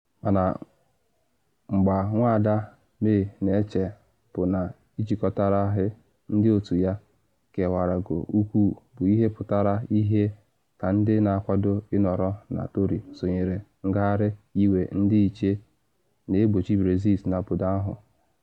Mana mgba Nwada May na eche bụ na ijikọtagharị ndị otu ya kewagoro ukwuu bụ ihe pụtara ihie ka ndị na akwado Ịnọrọ Na Tory sonyere ngagharị iwe dị iche na egbochi Brexit n’obodo ahụ.